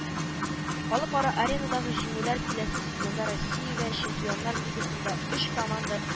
Халыкара аренадагы җиңүләр киләсе сезонда Россиягә Чемпионнар Лигасында өч команда